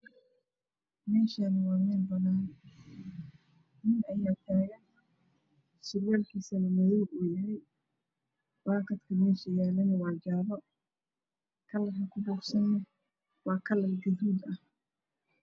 Meeshan waa meel banaan nin ayaa taagan surwalkiisana madoow uu yahay bakatka meesha yalana waa jaalo kalarka kubuufsana waa kalar jaala ah kalarka ku bufsana wa akalar gudu ah